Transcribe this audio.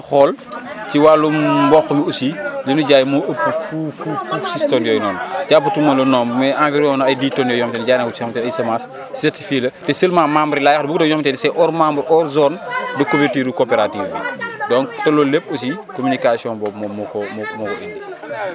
boo dee xool ci wàllum mboq mi aussi li ñuy jaay moo ëpp fuuf fuuf fuuf 6 tonnes yooyu noonu jàppatuma le nombre mais environ na ay 10 tonnes yoo xamante ne jaay naa ko si ay semence certifiée la te seulement membres yi laay wax wuuteeg yoo xamante ni c' est hors membres hors zone de couverture bu coopérative bi donc te loolu lépp aussi communication boobu moom moo ko moo ko indi